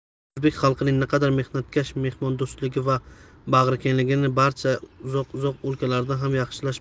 o'zbek xalqining naqadar mehnatkashligi mehmondo'stligi va bag'rikengligi barchaga uzoq uzoq o'lkalarda ham yaxshi ma'lum